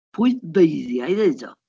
Pwy feiddia ei ddeud o?